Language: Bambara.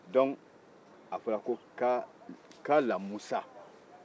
o la a fɔra ko kalamusa